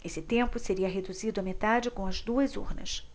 esse tempo seria reduzido à metade com as duas urnas